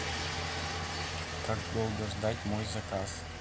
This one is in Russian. как долго ждать мой заказ